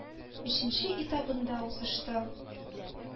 Өченче этабында узышты.